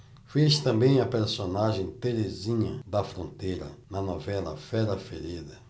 fez também a personagem terezinha da fronteira na novela fera ferida